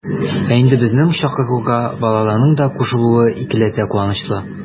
Ә инде безнең чакыруга балаларның да кушылуы икеләтә куанычлы.